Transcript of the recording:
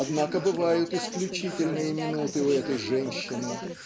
Однако бывают исключительные минуты у этой женщины